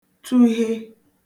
tụhe